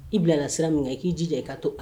I bilana sira min k'i ji de ye k'a to